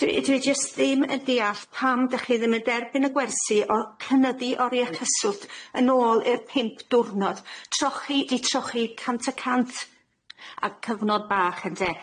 Dwi dwi jyst ddim yn deall pam 'dych chi ddim yn derbyn y gwersi o cynyddu orie cyswllt yn ôl i'r pump diwrnod, trochi 'di trochi cant y cant, a cyfnod bach ynde?